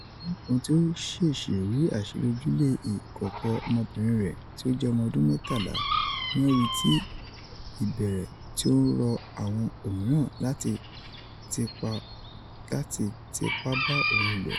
Iya kan ti o ṣesi ri aṣiri ojule ikọkọ ọmọbinrin rẹ ti o jẹ ọmọdun mẹtala ni o ri ti ibẹẹrẹ ti o n rọ awọn omiiran lati ‘’tipa ba oun lo.”